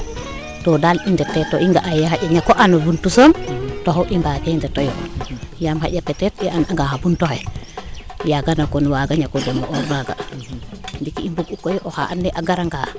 to daal i ndete to i nga a ye xanja ñako ando buntu soom taxu i mbaage ndetoyo yaam xaƴa peut etre i an anga xa buntu xe yaagana kon a waaga ñako demo'oor naaga